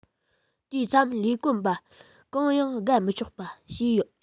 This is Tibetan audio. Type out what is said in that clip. དེའི མཚམས ལས གོམ པ གང ཡང བརྒལ མི ཆོག པ བྱས ཡོད